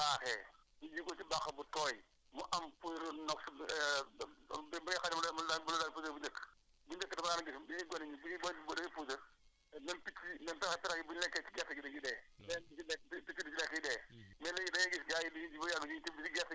voilà très bien foofu la ko defee la ci am wante gerte moom su gerte gi baaxee ñu ji ko ci bàq bu tooy mu am pour comme bi nga xam ne moom la ñu moom la ñu daan bojjee bu njëkk bu njëkk da ma daan gis bi ñuy gone ñun bi ñuy bojj da ñuy puus rek même picc yi * yi bu ñu lekkee gerte gi da ñuy dee